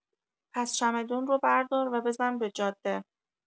پس چمدون رو بردار و بزن به جاده!